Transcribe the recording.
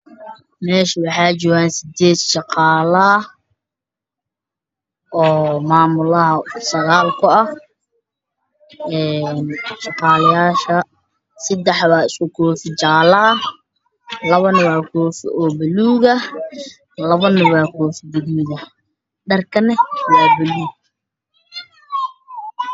Meesha waxaa joogo 8 shaqaalo ah maamulaha sagaal ku ah een shaqaalayaasha sadex waa isku koofi jaalo ah labana waa koofi buluug ah labana waa koofi gaduud ah dharkana waa buluug